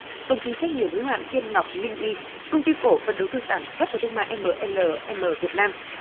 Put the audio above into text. công ty trách nhiệm hữu hạn thiên ngọc minh uy công ty cổ phần đầu tư sản xuất và thương mại e mờ e lờ e mờ việt nam